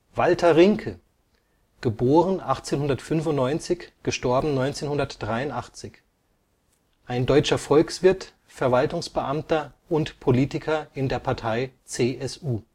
Walter Rinke (1895 – 1983), ein deutscher Volkswirt, Verwaltungsbeamter und Politiker (CSU